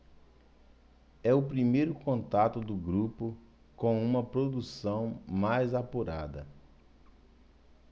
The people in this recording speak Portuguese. é o primeiro contato do grupo com uma produção mais apurada